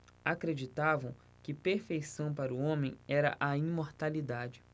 acreditavam que perfeição para o homem era a imortalidade